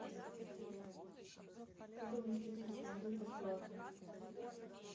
первый мститель смотреть бесплатно